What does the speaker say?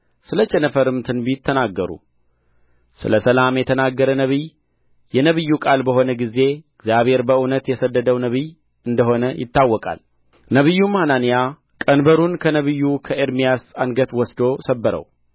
ስለ ቸነፈርም ትንቢት ተናገሩ ስለ ሰላም የተናገረ ነቢይ የነቢዩ ቃል በሆነ ጊዜ እግዚአብሔር በእውነት የሰደደው ነቢይ እንደ ሆነ ይታወቃል ነቢዩም ሐናንያ ቀንበሩን ከነቢዩ ከኤርምያስ አንገት ወስዶ ሰበረው